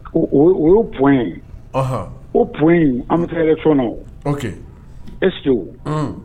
O ye pye o p in an bɛ taa yɛrɛ sɔn e su